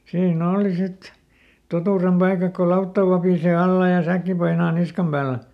siinä oli sitten totuuden paikat kun lautta vapisee alla ja säkki painaa niskan päällä